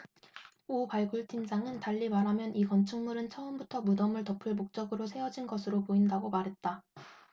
오 발굴팀장은 달리 말하면 이 건축물은 처음부터 무덤을 덮을 목적으로 세워진 것으로 보인다고 말했다